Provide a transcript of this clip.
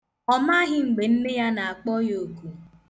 Ọ maghị mgbe nne ya na-akpọ ya oku.